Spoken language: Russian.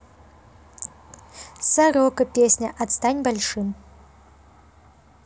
сорока песня отстань большим